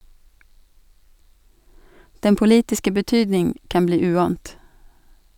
Den politiske betydning kan bli uant.